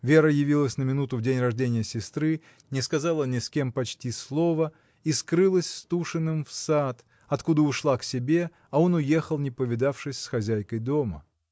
Вера явилась на минуту в день рождения сестры, не сказала ни с кем почти слова и скрылась с Тушиным в сад, откуда ушла к себе, а он уехал, не повидавшись с хозяйкой дома.